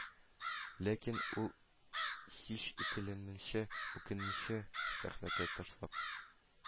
Ләкин ул, һич икеләнмичә, үкенмичә сәхнәне ташлап,